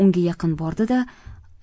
unga yaqin bordi da